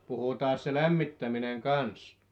puhutaanpas se lämmittäminen kanssa